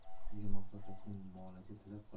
sizga muvaffaqiyatli muolaja tilab qolaman